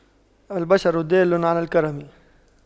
الْبِشْرَ دال على الكرم